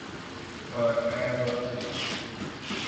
เปิดแอร์เบอร์สี่